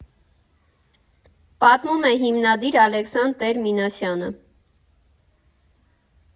Պատմում է հիմնադիր Ալեքսան Տեր֊Մինասյանը։